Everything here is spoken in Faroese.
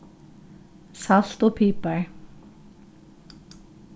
salt og pipar